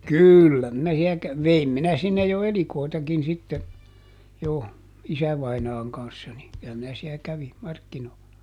kyllä minä siellä - vein minä sinne jo elikoitakin sitten jo isävainaan kanssa niin kyllä minä siellä kävin markkinoilla